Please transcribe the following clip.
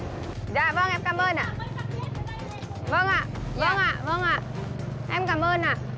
dạ vâng em cảm ơn ạ vâng ạ vâng ạ vâng ạ em cảm ơn ạ